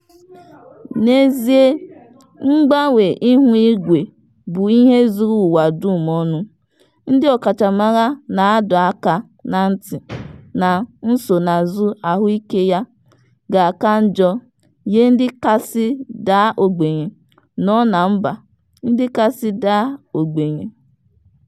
N'ezie mgbanwe ihu igwe bụ ihe zuru ụwa dum ọnụ, ndị ọkachamara na-adọ aka ná ntị na nsonaazụ ahụike ya ga-aka njọ nye ndị kasị daa ogbenye nọ na mba ndị kasị daa ogbenye.